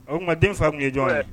O ma den fa tun ye jɔn ye